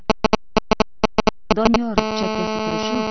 doniyor chakkasi tirishib